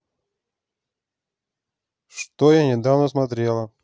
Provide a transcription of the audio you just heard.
что я недавно смотрела